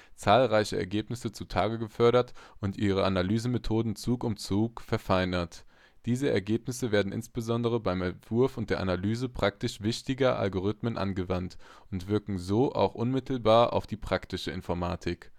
zahlreiche Ergebnisse zu Tage gefördert und ihre Analysemethoden Zug um Zug verfeinert. Diese Ergebnisse werden insbesondere beim Entwurf und der Analyse praktisch wichtiger Algorithmen angewandt und wirken so auch unmittelbar auf die Praktische Informatik